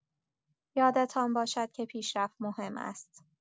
یادتان باشد که پیشرفت مهم است.